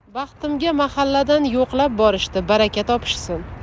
baxtimga mahalladan yo'qlab borishdi baraka topishsin